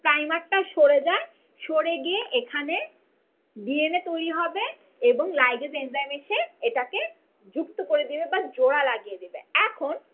primer ট সরে যায় সরে গিয়ে এখানে ডি এন এ তৈরি হবে এবং লাইগেজ এনজাইম এসে এটাকে যুক্ত করে দেবে বা জোড়া লাগিয়ে দেবে এখন